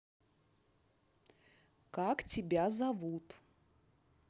как как тебя зовут